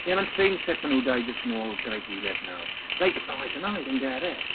Ie mae'n strange sut maen nhw dau jyst nôl gyda'i gilydd nawr. Like oh I don't know, I don't get it.